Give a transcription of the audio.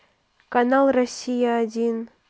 канал россия один